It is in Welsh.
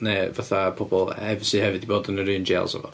Neu fatha pobol hef- sydd hefyd wedi bod yn yr un jails a fo.